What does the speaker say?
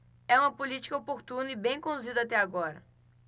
é uma política oportuna e bem conduzida até agora